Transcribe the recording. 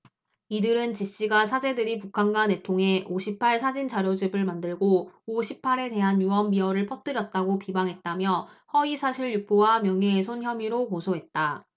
이들은 지씨가 사제들이 북한과 내통해 오 십 팔 사진자료집을 만들고 오 십 팔 에 대한 유언비어를 퍼뜨렸다고 비방했다며 허위사실 유포와 명예훼손 혐의로 고소했다